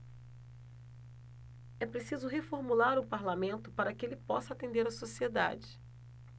é preciso reformular o parlamento para que ele possa atender a sociedade